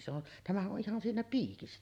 se on tämähän on ihan siinä piikissä